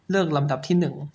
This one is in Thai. เลือกลำดับที่หนึ่ง